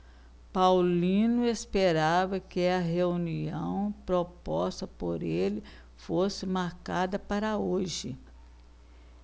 paulino esperava que a reunião proposta por ele fosse marcada para hoje